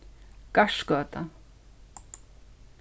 garðsgøta